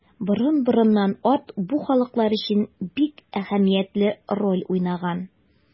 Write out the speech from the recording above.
Борын-борыннан ат бу халыклар өчен бик әһәмиятле роль уйнаган.